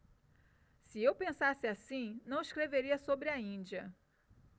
se eu pensasse assim não escreveria sobre a índia